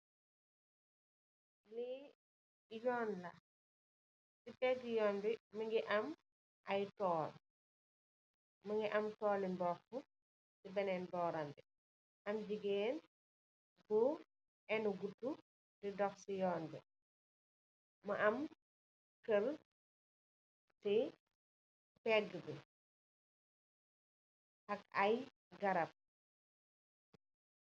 Lii Yoon la, si peegë Yoon bi, mu ngi am ay tool. Mu ngi am too i mbooxu, si benen bóoram bi. Am jigéen bu enu guttu di dox si yoon bi. Mu am kër si peegë bi, ak ay garab.